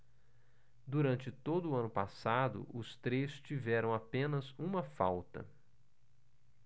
durante todo o ano passado os três tiveram apenas uma falta